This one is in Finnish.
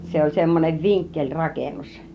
se oli semmoinen vinkkelirakennus